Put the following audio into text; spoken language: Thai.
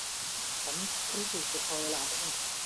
ฉันรู้สึกปวดคอเวลาหันไปด้านขวา